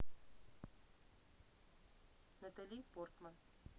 натали портман